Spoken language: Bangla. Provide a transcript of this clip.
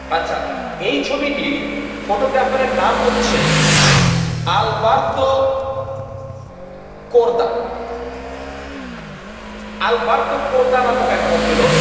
আচ্ছা এই ছবিটির ফটোগ্রাফারের নাম উঠছে আলবার্তো কোর্দা আলবার্তো কোর্দা নামক এক ভদ্রলোক